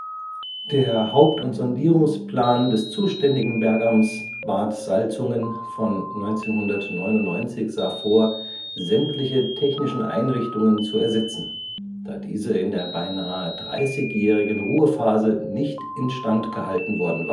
Der Haupt - und Sondierungsplan des zuständigen Bergamts Bad Salzungen von 1999 sah vor, sämtliche technischen Einrichtungen zu ersetzen, da diese in der beinahe dreißigjährigen Ruhephase nicht instand gehalten worden